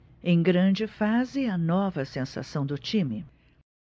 em grande fase é a nova sensação do time